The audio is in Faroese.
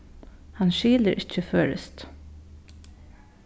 hann skilir ikki føroyskt